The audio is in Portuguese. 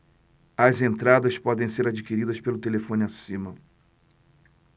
as entradas podem ser adquiridas pelo telefone acima